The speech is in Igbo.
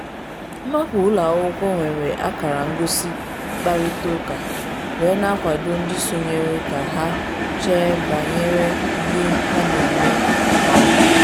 Maapu ụlọ akwụkwọ nwere akara ngosi mkparịta ụka, wee na-akwado ndị sonyere ka ha chee banyere ihe ha na-eme kwa ụbọchị.